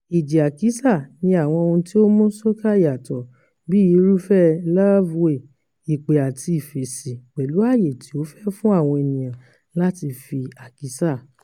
"Ìjì Àkísà" ní àwọn ohun tí ó mú soca yàtọ̀ — bíi irúfẹ́ lavway ìpè-àti-ìfèsì, pẹ̀lú àyè tí ó fẹ́ fún àwọn ènìyàn láti fi àkísà.